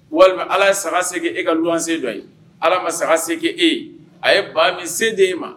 Walima Ala ye saga se e ka luwanze dɔ ye, Ala ma saga se kɛ e ye, a ye ba min se de e ma